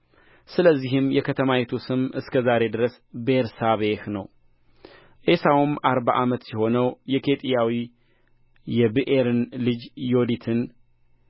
ስለዚህም የከተማይቱ ስም እስከ ዛሬ ድረስ ቤርሳቤህ ነው ዔሳውም አርባ ዓመት ሲሆነው የኬጢያዊ የብኤሪን ልጅ ዮዲትን